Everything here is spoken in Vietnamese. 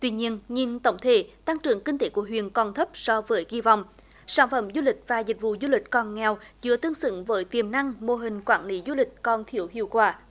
tuy nhiên nhìn tổng thể tăng trưởng kinh tế của huyện còn thấp so với kỳ vọng sản phẩm du lịch và dịch vụ du lịch còn nghèo chưa tương xứng với tiềm năng mô hình quản lý du lịch còn thiếu hiệu quả